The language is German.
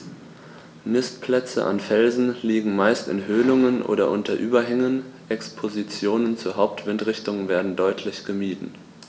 Nistplätze an Felsen liegen meist in Höhlungen oder unter Überhängen, Expositionen zur Hauptwindrichtung werden deutlich gemieden.